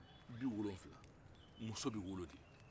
bi wolonwala muso bɛ wolo de